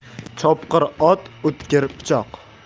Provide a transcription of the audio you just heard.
chopqir ot o'tkir pichoq